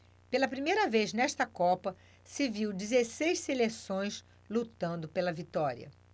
pela primeira vez nesta copa se viu dezesseis seleções lutando pela vitória